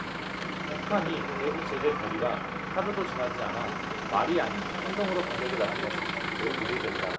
북한이 대북 제재 결의가 하루도 지나지 않아 말이 아닌 행동으로 반격에 나선 것은 매우 이례적이다